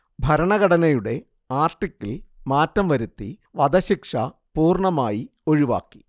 ഭരണഘടനയുടെ ആർട്ടിക്കിൾ മാറ്റം വരുത്തി വധശിക്ഷ പൂർണ്ണമായി ഒഴിവാക്കി